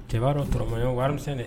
Cɛbaa turamaɲɔgɔn warisɛn dɛ